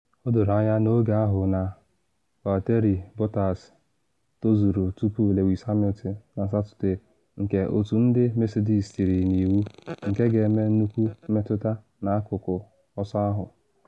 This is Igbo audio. O doro anya n’oge ahụ na Valtteri Bottas tozuru tupu Lewis Hamilton na Satọde nke otu ndị Mercedes tiri n’iwu nke ga-eme nnukwu mmetụta n’akụkụ ọsọ ahụ.